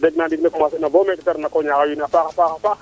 wax deg na ndiig na commencer na bo meke te refnea ko ñaaxa wiin we a paax paax